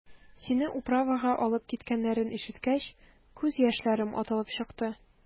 Сине «управа»га алып киткәннәрен ишеткәч, күз яшьләрем атылып чыкты.